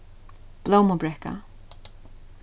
blómubrekka